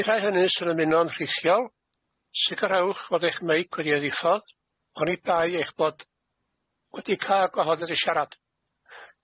I rai hynny sy'n ymuno'n rhithiol, sicrhewch fod eich meic wedi ei ddiffodd, onibai eich bod wedi cael gwahoddad i siarad.